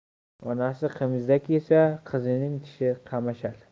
onasi qimizak yesa qizining tishi qamashar